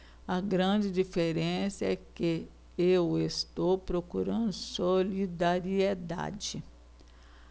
a grande diferença é que eu estou procurando solidariedade